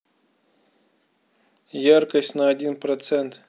яркость на один процент